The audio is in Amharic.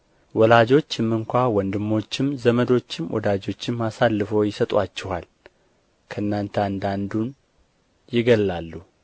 ወላጆችም ስንኳ ወንድሞችም ዘመዶችም ወዳጆችም አሳልፈው ይሰጡአችኋል ከእናንተም አንዳንዱን ይገድላሉ